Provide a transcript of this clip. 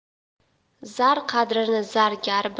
zar qadrini zargar